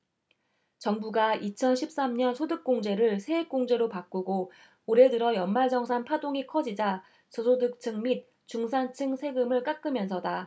정부가 이천 십 삼 년 소득공제를 세액공제로 바꾸고 올해 들어 연말정산 파동이 커지자 저소득층 및 중산층 세금을 깎으면서다